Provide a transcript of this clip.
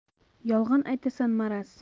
yolg'on aytasan maraz